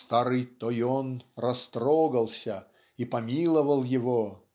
старый Тойон растрогался и помиловал его